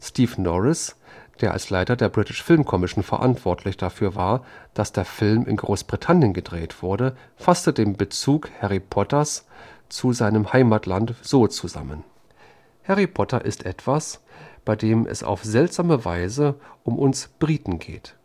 Steve Norris, der als Leiter der British Film Commission verantwortlich dafür war, dass der Film in Großbritannien gedreht wurde, fasste den Bezug Harry Potters zu seinem Heimatland so zusammen: „ Harry Potter ist etwas, bei dem es auf seltsame Weise um uns [Briten] geht